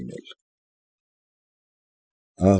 Լինել։